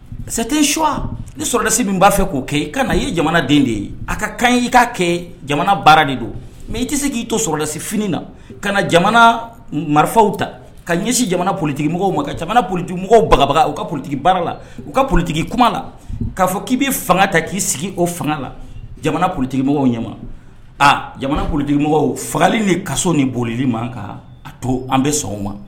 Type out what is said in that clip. Sete suwa ni sɔrɔdasi min b'a fɛ k'o kɛ i ka na ye jamana den de ye a kaɲ i ka kɛ jamana baara de don mɛ i tɛ se k'i to sɔrɔlasi fini na ka na jamana marifaw ta ka ɲɛsin jamana politigi mɔgɔw ma kaolitigi mɔgɔwbagabaga u ka ptigi baara la u ka politigi kuma la k'a fɔ k'i bɛ fanga ta k'i sigi o fanga la jamana politigimɔgɔ ɲɛ aa jamana politigimɔgɔ fagali ni kaso ni boliolili ma kan ka a to an bɛ sɔn ma